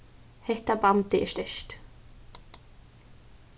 hetta bandið er sterkt